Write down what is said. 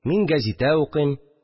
Мин гәзитә укыйм